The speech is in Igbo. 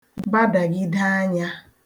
bàdàghide anyā